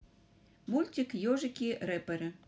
мультик ежики рэперы